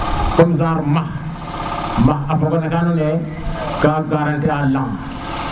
comme genre max max a foga no ke andona ye ka garanti a lang